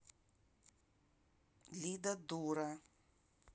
лида дура